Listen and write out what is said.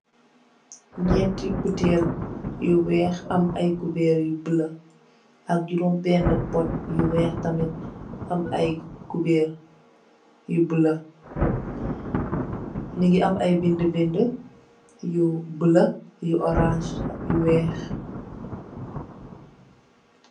Ñénti butèèl yu wèèx am ay kupeer yu bula ak jurom benni pot yu wèèx tamid am ay kupeer yu bula. Ñi ngi am ay bindé bindé yu bula, yu orans ak yu wèèx.